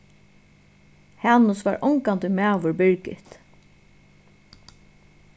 hanus var ongantíð maður birgit